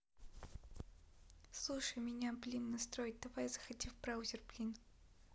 слушай меня блин настроить давай заходи в браузер блин